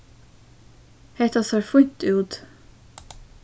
hetta sær fínt út